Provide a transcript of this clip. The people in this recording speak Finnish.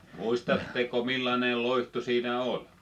muistatteko millainen loitsu siinä oli